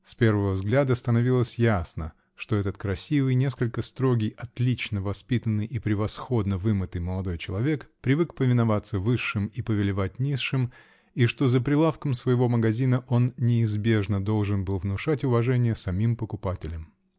С первого взгляда становилось явно, что этот красивый, несколько строгий, отлично воспитанный и превосходно вымытый молодой человек привык повиноваться высшим и повелевать низшим и что за прилавком своего магазина он неизбежно должен был внушать уважение самим покупателям!